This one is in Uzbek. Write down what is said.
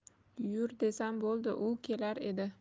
yur desam bo'ldi u kelar edi